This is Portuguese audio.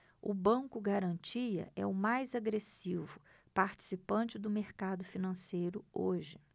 o banco garantia é o mais agressivo participante do mercado financeiro hoje